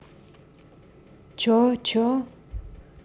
чо че